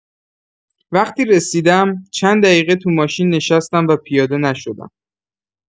وقتی رسیدم، چند دقیقه تو ماشین نشستم و پیاده نشدم.